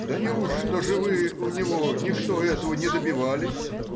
— Да неужто же вы у него никто этого не добивались?